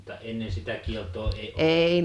mutta ennen sitä kieltoa ei ollut